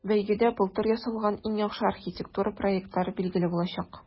Бәйгедә былтыр ясалган иң яхшы архитектура проектлары билгеле булачак.